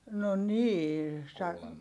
no niin -